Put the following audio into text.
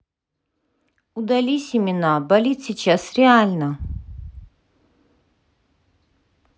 удали семена болит сейчас реально